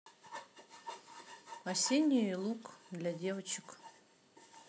осенний лук для девочек